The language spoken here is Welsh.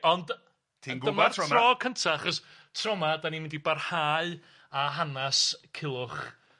...ond yy... Ti'n gwbod tro yma. ...dyma'r tro cynta achos tro 'ma 'dan ni'n mynd i barhau â hanes Culhwch